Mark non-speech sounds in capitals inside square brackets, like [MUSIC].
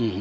[HESITATION] [HESITATION]